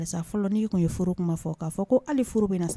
Fɔlɔ' tun ye fɔ fɔ ko bɛ